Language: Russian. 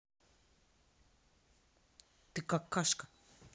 ты какашка